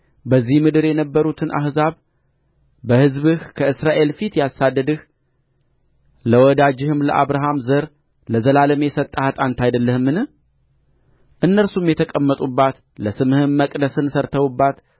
በዚህ ምድር የነበሩትን አሕዛብ ከሕዝብህ ከእስራኤል ፊት ያሳደድህ ለወዳጅህም ለአብርሃም ዘር ለዘላለም የሰጠሃት አንተ አይደለህምን እነርሱም የተቀመጡባት ለስምህም መቅደስን ሠርተውባት